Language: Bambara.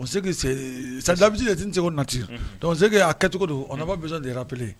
Sadabisiseko nati dɔnkuse aa kɛcogo don mi deraple